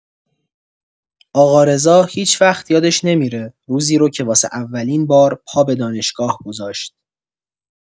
آقا رضا هیچ‌وقت یادش نمی‌ره روزی رو که واسه اولین بار پا به دانشگاه گذاشت.